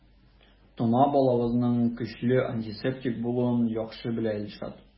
Тома балавызның көчле антисептик булуын яхшы белә Илшат.